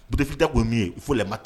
Modifida ko min ye fo latɛ